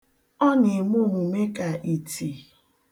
Ọ na-eme omume ka iti.